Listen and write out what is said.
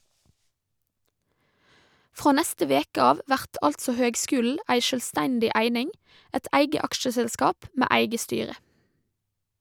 Frå neste veke av vert altså høgskulen ei sjølvstendig eining, eit eige aksjeselskap med eige styre.